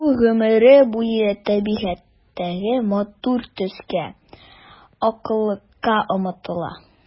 Ул гомере буе табигатьтәге матур төскә— аклыкка омтыла.